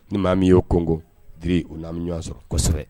Ni maa mun y'o kongo, Diri n'an min ɲɔgɔn sɔrɔ kosɛbɛ